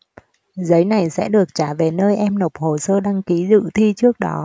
giấy này sẽ được trả về nơi em nộp hồ sơ đăng ký dự thi trước đó